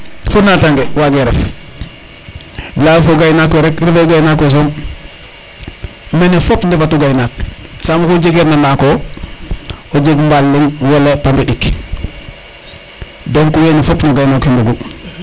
fo nata nge wage ref leya fo gay naak we rek refe gay naak we soom mene fop ndefatu gay naak saam oxu jegeer na nako o jeg mbaal leŋ wala mape ndik donc wene fop no gay naak we mbogu